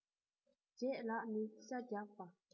ལྗད ལགས ནི ཤ རྒྱགས པ